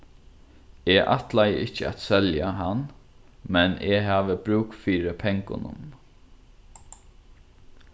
eg ætlaði ikki selja hann men eg havi brúk fyri pengunum